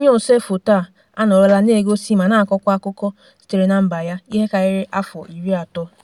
Onye ose foto a anọrọla na-egosi ma na-akọkwa akụkọ sitere na mba ya ihe karịrị afọ 30.